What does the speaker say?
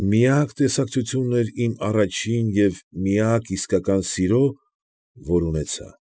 Միակ տեսակցությունն իմ առաջին և միակ իսկական սիրո, որ ունեցա։